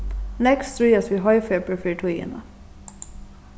nógv stríðast við hoyfepur fyri tíðina